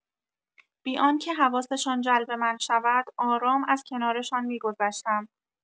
بی‌آنکه حواسشان جلب من شود آرام از کنارشان می‌گذشتم.